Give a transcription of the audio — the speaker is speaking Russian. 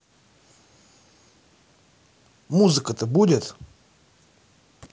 музыка то будет